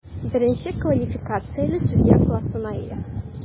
Беренче квалификацияле судья классына ия.